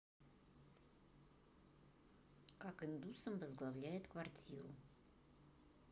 как индусам возглавляет квартиру